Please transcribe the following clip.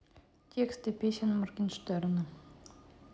тексты песен моргенштерна